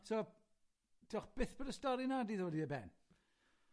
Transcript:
So diolch byth bod y stor 'na 'di ddod i ben.